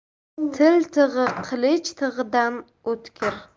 til tig'i qilich tig'idan o'tkir